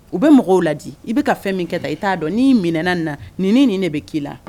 U bɛ mɔgɔw laadi i bɛ ka fɛn min kɛ ta i t'a dɔn n'i minɛnɛna na nin nin de bɛ k'i la